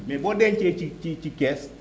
mais boo dencee ci ci ci kees